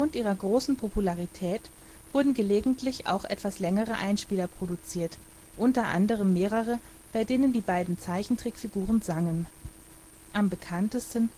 ihrer großen Popularität wurden gelegentlich auch etwas längere Einspieler produziert, unter anderem mehrere, bei denen die beiden Zeichentrickfiguren sangen. Am bekanntesten